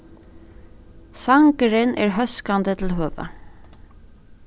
sangurin er hóskandi til høvið